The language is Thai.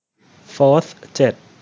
โฟธเจ็ด